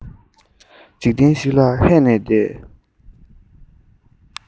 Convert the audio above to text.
འཇིག རྟེན ཞིག ལ ཧད ནས བསྡད